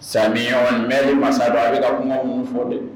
Sa mɛ masa don a bɛ ka kungo minnu fɔ dɛ